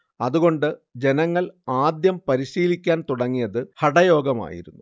അതുകൊണ്ട് ജനങ്ങൾ ആദ്യം പരിശീലിക്കാൻ തുടങ്ങിയത് ഹഠയോഗമായിരുന്നു